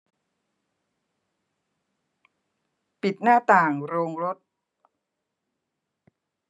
ปิดหน้าต่างโรงรถ